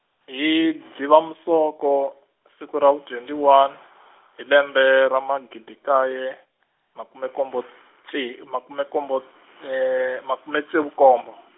hi Dzivamusoko, siku ra vu twenty one , hi lembe ra magidi nkaye, makume kombo ntse- makume kombo makume ntsevu nkombo.